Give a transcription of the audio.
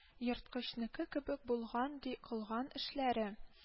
Ерткычныкы кебек булган, ди, кылган эшләре